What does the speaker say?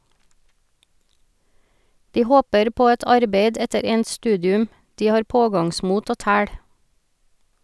De håper på et arbeid etter endt studium , de har pågangsmot og tæl.